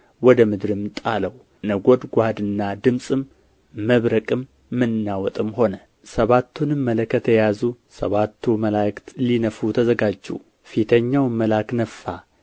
ወደ ምድርም ጣለው ነጐድጓድና ድምፅም መብረቅም መናወጥም ሆነ ሰባቱንም መለከት የያዙ ሰባቱ መላእክት ሊነፉ ተዘጋጁ ፊተኛውም መልአክ ነፋ